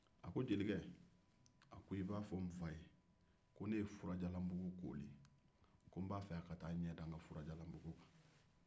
a ko jelikɛ a fɔ n fa ye ko ne ye furajalanbugu koori ko n b'a fɛ a ka taa a ɲɛ da o kan